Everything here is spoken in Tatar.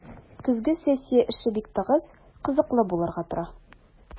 Көзге сессия эше бик тыгыз, кызыклы булырга тора.